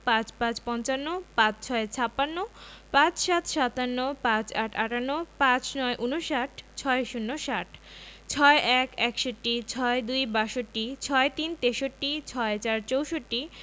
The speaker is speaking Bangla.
৫৫ – পঞ্চান্ন ৫৬ – ছাপ্পান্ন ৫৭ – সাতান্ন ৫৮ – আটান্ন ৫৯ - ঊনষাট ৬০ - ষাট ৬১ – একষট্টি ৬২ – বাষট্টি ৬৩ – তেষট্টি ৬৪ – চৌষট্টি